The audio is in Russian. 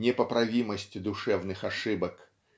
непоправимость душевных ошибок